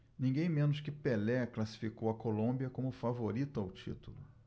ninguém menos que pelé classificou a colômbia como favorita ao título